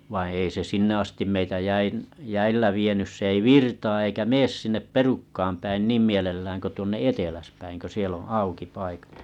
vaan ei se sinne asti meitä - jäillä vienyt se ei virtaa eikä mene sinne perukkaan päin niin mielellään kuin tuonne eteläspäin kun siellä on auki paikat